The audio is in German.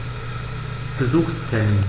Besuchstermin